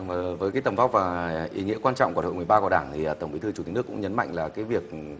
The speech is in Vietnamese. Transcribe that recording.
với tầm vóc và ý nghĩa quan trọng của đội mười ba của đảng nghĩa tổng bí thư chủ tịch nước cũng nhấn mạnh là cái việc